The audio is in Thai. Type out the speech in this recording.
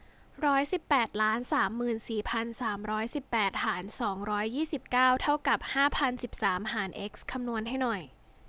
ร้อยสิบแปดล้านสามหมื่นสี่พันสามร้อยสิบแปดหารสองร้อยยี่สิบเก้าเท่ากับห้าพันสิบสามหารเอ็กซ์คำนวณให้หน่อย